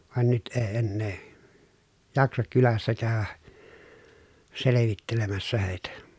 vaan nyt ei enää jaksa kylässä käydä selvittelemässä heitä